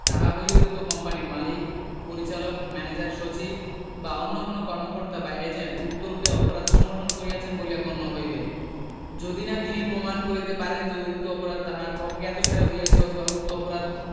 তাহা হইলে উক্ত কোম্পানীর মালিক পরিচালক ম্যানেজার সচিব বা অন্য কোন কর্মকর্তা বা এজেন্ট উক্তরূপে অপরাধ সংঘটন করিয়াছেন বলিয়া গণ্য হইবে যদি না তিনি প্রমাণ করিতে পারেন যে উক্ত অপরাধ তাহার অজ্ঞাতসারে হইয়াছে অথবা উক্ত অপরাধ